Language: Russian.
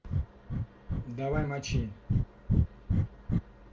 давай мочи